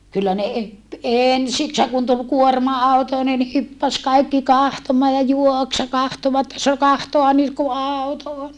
kyllä ne - ensiksihän kun tuli kuorma-auto niin ne hyppäsi kaikki katsomaan ja juoksi ja katsoivat sanoi katsoa nyt kun auto on